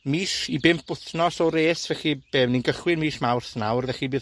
mis i bump wthnos o res. Felly, be', ni'n gychwyn mis Mawrth nawr. Felly, bydd